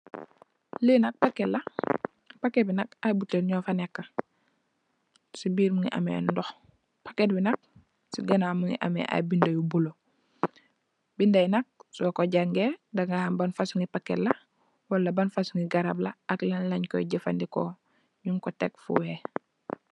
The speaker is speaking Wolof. Li nak paket la, paket bi nak ay butèèl ño fa nekka, si biir mugii ameh ndox. Paket bi nak si ganaw mugii ameh ay bindé yu bula, bindé yi nak so ko jangèè di ga xam ban fasungi garap la ak lan lañ koy jafandiko.